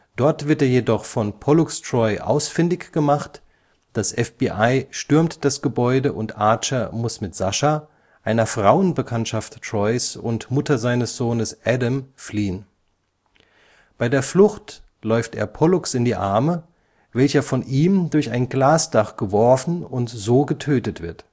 Dort wird er jedoch von Pollux Troy ausfindig gemacht, das FBI stürmt das Gebäude und Archer muss mit Sasha, einer Frauenbekannschaft Troys und Mutter seines Sohnes Adam, fliehen. Bei der Flucht läuft er Pollux in die Arme, welcher von ihm durch ein Glasdach geworfen und so getötet wird